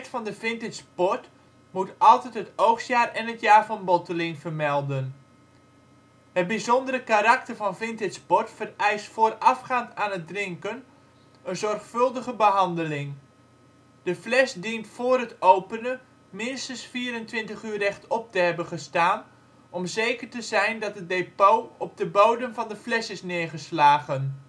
van de vintage port moet altijd het oogstjaar en het jaar van botteling vermelden. Het bijzondere karakter van vintage port vereist voorafgaand aan het drinken een zorgvuldige behandeling. De fles dient voor het openen minstens 24 uur rechtop te hebben gestaan om zeker te zijn dat het depot op de bodem van de fles is neergeslagen